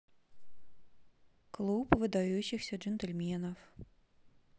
клуб выдающихся джентльменов